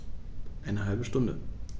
Eine halbe Stunde